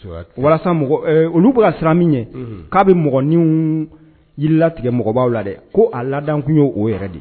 Walasa olu bɛ sira min ye k'a bɛ min jirilatigɛ mɔgɔbaw la dɛ ko a la tun y'o oo yɛrɛ de